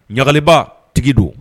Ɲagali tigi don